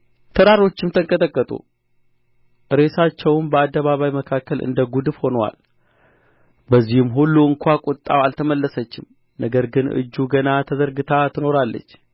ተራሮችም ተንቀጠቀጡ ሬሳቸውም በአደባባይ መካከል እንደ ጕድፍ ሆኖአል በዚህም ሁሉ እንኳ ቍጣው አልተመለሰችም ነገር ግን እጁ ገና ተዘርግታ ትኖራለች